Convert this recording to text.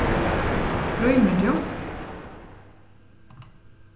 rýmir tú